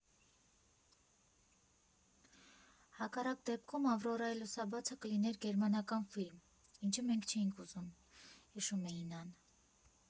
«Հակառակ դեպքում «Ավրորայի լուսաբացը» կլիներ գերմանական ֆիլմ, ինչը մենք չէինք ուզում», ֊ հիշում է Իննան։